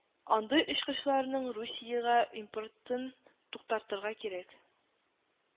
Андый очкычларның Русиягә импортын туктатырга кирәк